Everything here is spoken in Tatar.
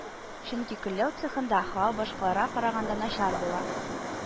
Чөнки көлләү цехында һава башкаларга караганда начар була